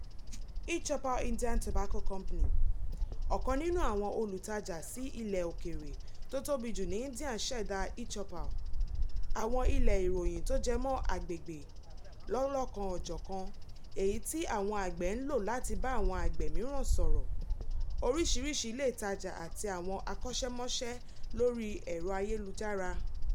eChoupal Indian Tobacco Company, ọ̀kan nínú àwọn olùtajà sí ilẹ̀ okèèrè tó tóbi jù ní Indian ṣẹ̀da eChoupal, àwọn ilé iroyìn tó jẹ mọ́ agbègbè lọ́lọ́kan-ò-jọ̀kan èyì tí àwọn àgbẹ̀ ń lò láti bá awọ̀n àgbẹ̀ míràn sọ̀rọ̀, oríṣiríṣi ilé ìtajà àti àwọn akọ́ṣẹ́mọsẹ́ lórí ẹ̀rọ ayélujára.